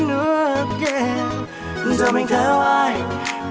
nước giờ mình theo ai vì